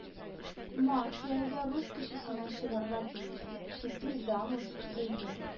Ма кияүгә рус кешесенә чыгарга тиеш» («идти замуж ей не